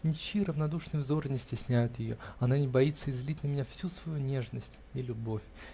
Ничьи равнодушные взоры не стесняют ее: она не боится излить на меня всю свою нежность и любовь.